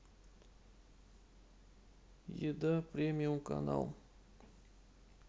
еда премиум канал